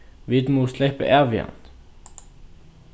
vit mugu sleppa av við hann